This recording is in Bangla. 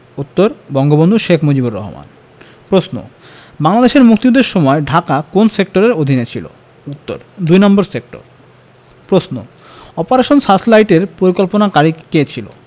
উত্তর বঙ্গবন্ধু শেখ মুজিবুর রহমান প্রশ্ন বাংলাদেশের মুক্তিযুদ্ধের সময় ঢাকা কোন সেক্টরের অধীনে ছিলো উত্তর দুই নম্বর সেক্টর প্রশ্ন অপারেশন সার্চলাইটের পরিকল্পনাকারী কে ছিল